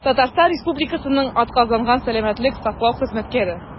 «татарстан республикасының атказанган сәламәтлек саклау хезмәткәре»